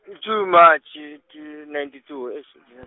-s two March ninety two eish .